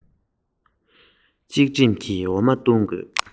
ང ཚོ མོའི སྐད ཆ ལ ཉན ཁོམ ག ལ ཡོད